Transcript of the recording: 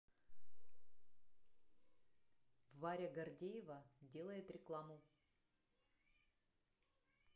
варя гордеева делает рекламу